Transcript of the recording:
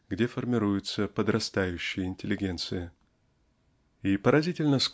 где формируется подрастающая интеллигенция. И поразительно